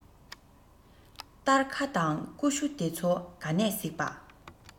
སྟར ཁ དང ཀུ ཤུ དེ ཚོ ག ནས གཟིགས པྰ